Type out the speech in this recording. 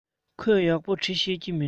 ཁོས ཡག པོ འབྲི ཤེས ཀྱི མིན འདུག